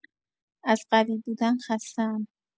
از قوی بودن خسته‌ام.